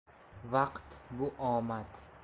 vaqt omad